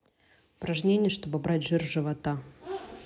упражнения чтобы убрать жир с живота